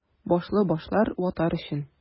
Башлы башлар — ватар өчен!